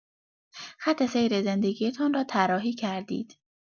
خط سیر زندگی‌تان را طراحی کردید.